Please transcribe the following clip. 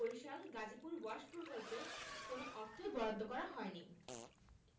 বরিশাল গাজীপুর ওয়াশ প্রকল্পে কোনো অর্থই বরাদ্দ করা হয়নি